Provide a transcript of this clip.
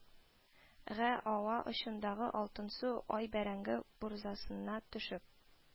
Гә ава, очындагы алтынсу ай бәрәңге буразнасына төшеп